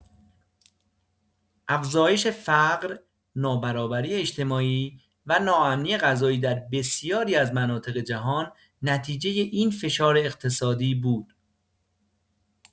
افزایش فقر، نابرابری اجتماعی و ناامنی غذایی در بسیاری از مناطق جهان نتیجه این فشار اقتصادی بود.